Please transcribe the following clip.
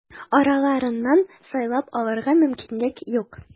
Араларыннан сайлап алырга мөмкинлек юк.